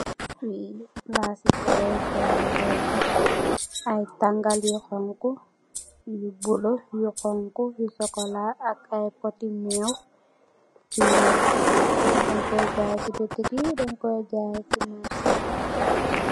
Fi palace su jaayekaay lekk, ay tangal yu honku, yu bulo, yu honku, yu sokola ak ay poti mew yu weeh. Nung koy jaaye ci bitik yi, den koy jaaye ci marche.